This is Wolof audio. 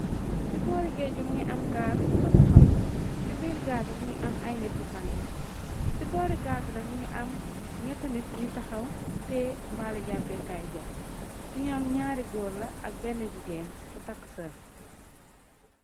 Ci boori géej bi mungi am gaal bu fa tahaw. Ci biir gaal bi mu ngi am ay nit yu faneek. Ci boori gaal bi nak mungi am ñett nit ñu tahaw tée mbaali jàppè kaay jen. Ci ñoom ñaari góor la ak benn jigéen bu takk sëra.